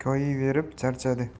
uni koyiyverib charchadi